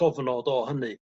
gofnod o hynny